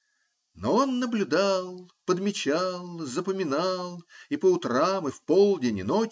Но он наблюдал, подмечал , запоминал и по утрам, и в полдень, и ночью